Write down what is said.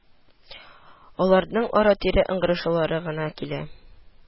Аларның ара-тирә ыңгырашулары гына килә